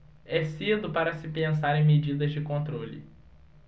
é cedo para se pensar em medidas de controle